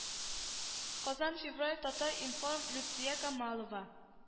-- казан февраль татар-информ люция камалова